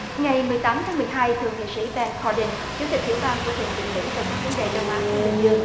ngày mười tám tháng mười hai thượng nghị sĩ ben kho đần chủ tịch tiểu ban của thượng viện mỹ về các vấn đề đông á thái bình dương